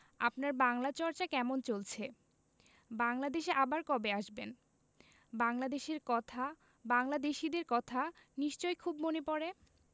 আপনার বাংলা চর্চা কেমন চলছে বাংলাদেশে আবার কবে আসবেন বাংলাদেশের কথা বাংলাদেশীদের কথা নিশ্চয় খুব মনে পরে